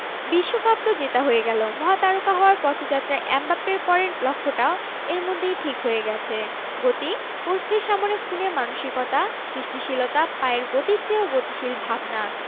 বিশ্বকাপ তো জেতা হয়ে গেল মহাতারকা হওয়ার পথযাত্রায় এমবাপ্পের পরের লক্ষ্যটাও এরই মধ্যে ঠিক হয়ে গেছে গতি পোস্টের সামনে খুনে মানসিকতা সৃষ্টিশীলতা পায়ের গতির চেয়েও গতিশীল ভাবনা